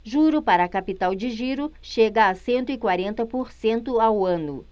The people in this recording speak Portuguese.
juro para capital de giro chega a cento e quarenta por cento ao ano